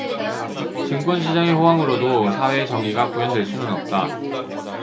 증권 시장의 호황으로도 사회 정의가 구현될 수는 없다